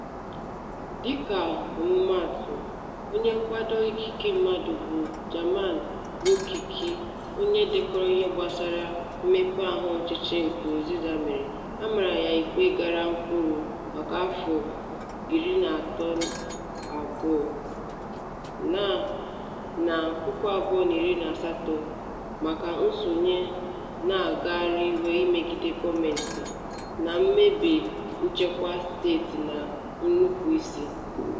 Dịka ọmụmaatụ, onye nkwado ikike mmadụ bụ Germain Rukiki, onye dekọrọ ihe gbasara mmekpaahụ ọchịchị Nkurunziza mere, a mara ya ikpe ịga mkpọrọ maka afọ 32 na 2018 maka nsonye na ngagharị iwe ịmegide gọọmentị, na mmebi nchekwa steeti na nnupụisi.